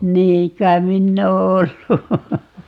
niin kai minä olen ollut